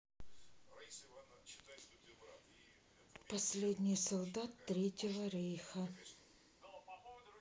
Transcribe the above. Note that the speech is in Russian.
последний солдат третьего рейха